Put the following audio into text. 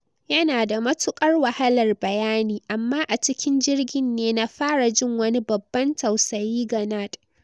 Yanada matukar wahalar bayani, amma a cikin jirgin ne na fara jin wani babban tausayi ga Nad.